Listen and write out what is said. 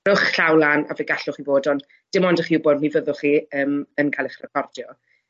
rhowch 'ych llaw lan a fe gallwch chi bod ond dim ond i chi wbod mi fyddwch chi yym yn ca'l 'ych recordio.